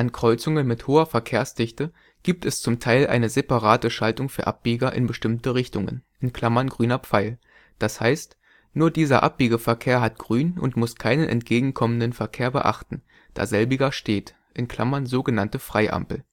Kreuzungen mit hoher Verkehrsdichte gibt es zum Teil eine separate Schaltung für Abbieger in bestimmte Richtungen (grüner Pfeil), d. h. nur dieser Abbiegeverkehr hat Grün und muss keinen entgegenkommenden Verkehr beachten, da selbiger steht (so genannte Freiampel